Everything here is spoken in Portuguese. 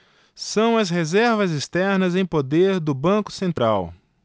são as reservas externas em poder do banco central